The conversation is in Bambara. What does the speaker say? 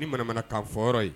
Ni manamana k'a fɔ ye